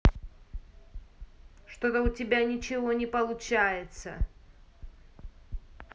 что то у тебя это ничего не получается